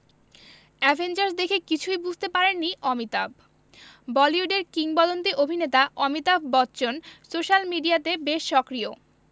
Avengers দেখে কিছুই বুঝতে পারেননি অমিতাভ বলিউডের কিংবদন্তী অভিনেতা অমিতাভ বচ্চন সোশ্যাল মিডিয়াতে বেশ সক্রিয়